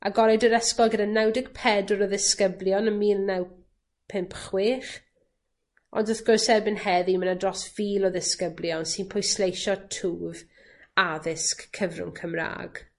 Agorwyd yr ysgol gyda naw deg pedwar o ddisgyblion ym mil naw pump chwech, ond wrth gwrs erbyn heddiw my' 'ny dros fil o ddisgyblion sy'n pwysleisio twf addysg cyfrwng Cymra'g.